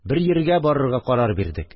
Бер йиргә барырга карар бирдек